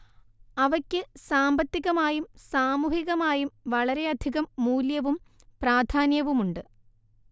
അവയ്ക്ക് സാമ്പത്തികമായും സാമൂഹികമായും വളരെയധികം മൂല്യവും പ്രാധാന്യവുമുണ്ട്